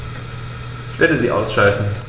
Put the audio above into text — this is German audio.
Ich werde sie ausschalten